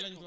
ah waŋ